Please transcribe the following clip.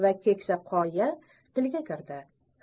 va keksa qoya tilga kirdi